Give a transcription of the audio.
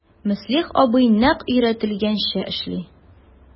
Мөслих абый нәкъ өйрәтелгәнчә эшли...